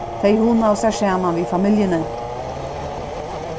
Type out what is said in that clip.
tey hugnaðu sær saman við familjuni